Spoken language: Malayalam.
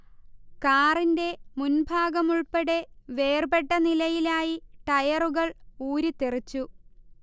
കാറിന്റെ മുൻഭാഗം ഉൾപ്പടെ വേർപെട്ട നിലയിലായി ടയറുകൾ ഊരിത്തെറിച്ചു